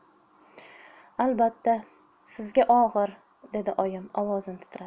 albatta sizga og'ir dedi oyim ovozi titrab